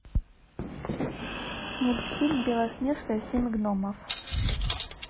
мультфильм белоснежка и семь гномов